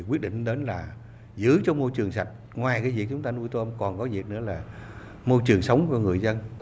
quyết định đến là giữ cho môi trường sạch ngoài việc chúng ta nuôi tôm còn có việc nữa là môi trường sống của người dân